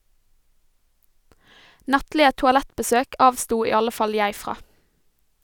Nattlige toalettbesøk avsto i alle fall jeg fra.